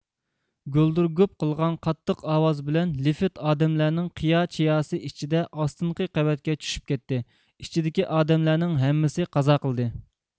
گۈلدۈر گۈپ قىلغان قاتتىق ئاۋاز بىلەن لېفىت ئادەملەرنىڭ قىيا چىياسى ئىچىدە ئاستىنقى قەۋەتكە چۈشۈپ كەتتى ئىچىدىكى ئادەملەرنىڭ ھەممىسى قازا قىلدى